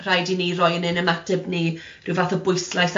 Rhaid i ni roi yn ein ymateb ni ryw fath o bwyslais am